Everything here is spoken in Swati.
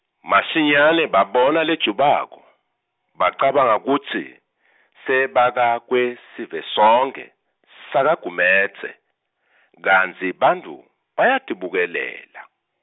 masinyane babona lejubako bacabanga kutsi, sebakakwesivesonkhe sakaGumedze kantsi bantfu bayatibukelela.